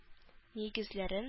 Нигезләрен